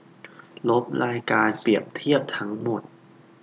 ลบรายการเปรียบเทียบทั้งหมด